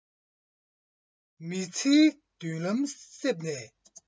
མི ཚེའི མདུན ལམ གསེབ ནས